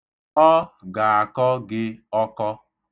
Ọ ga-akọ gị ọkọ.